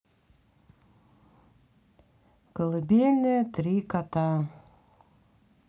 колыбельная три кота